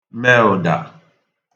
me ụ̀dà